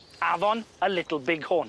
Afon y little big horn.